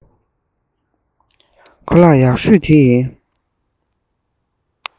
ཁོ ལག ཡག ཤོས དེ ཡིན